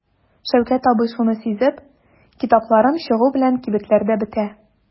Шәүкәт абый шуны сизеп: "Китапларым чыгу белән кибетләрдә бетә".